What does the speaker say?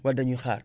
wala da ñuy xaar